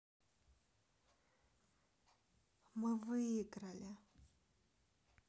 мы выиграли